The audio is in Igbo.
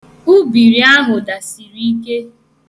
Ubìrì ahụ dasiri ike.